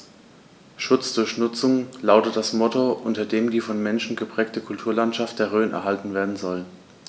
„Schutz durch Nutzung“ lautet das Motto, unter dem die vom Menschen geprägte Kulturlandschaft der Rhön erhalten werden soll.